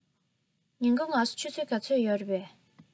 ཉིན གུང ངལ གསོ ཆུ ཚོད ག ཚོད ཡོད རས